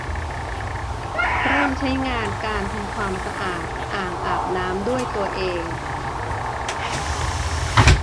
เริ่มใช้งานการทำความสะอาดอ่างอาบน้ำด้วยตัวเอง